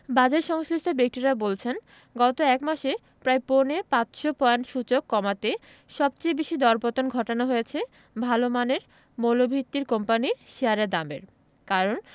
বাজারসংশ্লিষ্ট ব্যক্তিরা বলছেন গত এক মাসে প্রায় পৌনে ৫০০ পয়েন্ট সূচক কমাতে সবচেয়ে বেশি দরপতন ঘটানো হয়েছে ভালো মানের মৌলভিত্তির কোম্পানির শেয়ারের দামের কারণ